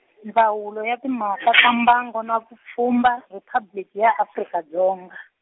Ndzawulo ya Timhaka ta Mbango na Vupfhumba Riphabliki ya Afrika Dzonga.